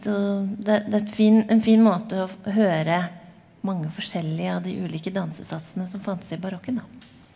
så det er det er et fin en fin måte å høre mange forskjellige av de ulike dansesatsene som fantes i barokken da.